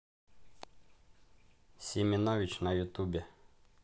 семенович на ютубе